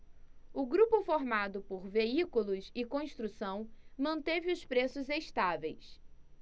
o grupo formado por veículos e construção manteve os preços estáveis